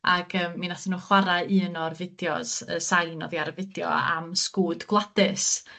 ag yym mi nathon nw chwara un o'r fideos, y sain oddi ar y fideo, am Sgwd Gwladys